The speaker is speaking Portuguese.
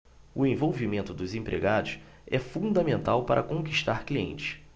o envolvimento dos empregados é fundamental para conquistar clientes